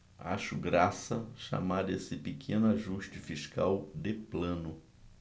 acho graça chamar esse pequeno ajuste fiscal de plano